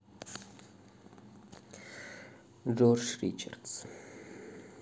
джордж ричардс